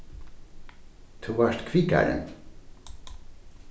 tú vart kvikari